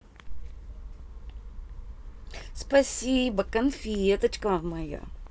спасибо конфеточка